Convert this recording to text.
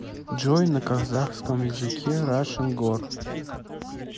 джой на казахском языке russian гор